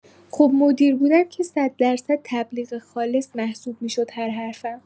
خب مدیر بودم که صددرصد تبلیغ خالص محسوب می‌شد هر حرفم